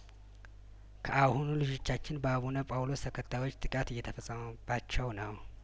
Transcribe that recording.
ከአሁኑ ልጆቻችን በአቡነ ፓውሎስ ተከታዮች ጥቃት እየተፈጸመባቸው ነው